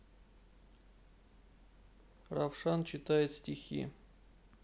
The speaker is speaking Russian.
равшан читает стихи